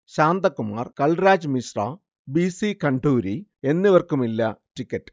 Shantakumar, Kalraj Mishra, B. C Khanduri എന്നിവർക്കുമില്ല ticket